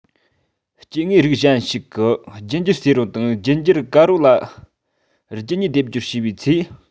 སྐྱེ དངོས རིགས གཞན ཞིག གི རྒྱུད འགྱུར སེར པོ དང རྒྱུད འགྱུར དཀར པོ ལ རྒྱུད གཉིས སྡེབ སྦྱོར བྱས པའི ཚེ